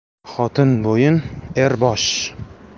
xotin bo'yin er bosh